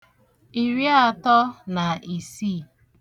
ìriātọ̄ nà ìsiì